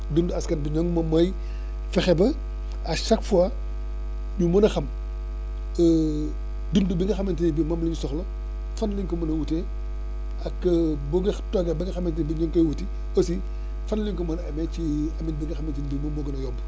dundu askan bi ñoŋ moom mooy fexe ba à cahque fois ñu mun a xam dund bi nga xamante ne bii moom la ñu soxla fan lañ ko mun a wutee ak bu nga toogee ba nga xamante ne bii ñu ngi koy wuti aussi fan lañ ko mën a amee ci anam bi nga xamante ne bii moom moo gën a yomb